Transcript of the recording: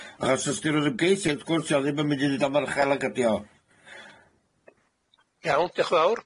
Achos os 'di'r yr ymgeisydd wth gwrs, 'di o ddim yn mynd i neud o mor uchel ag ydi o... Iawn, diolch yn fawr.